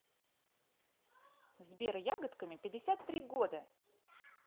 сбер ягодками пятьдесят три года